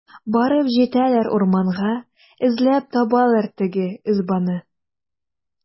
Барып җитәләр урманга, эзләп табалар теге ызбаны.